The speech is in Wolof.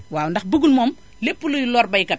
waaw ndax bëggul moom lépp luy lor baykat